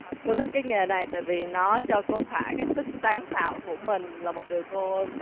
tôi thích cái nghề này tại vì nó cho cô thỏa sức sáng tạo của mình là một điều cô